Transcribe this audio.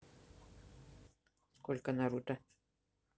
сколько наруто